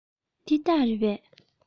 འདི སྟག རེད པས